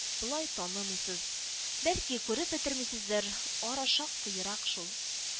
Болай танымыйсыз, бәлки, күреп бетермисездер – ара шактый ерак шул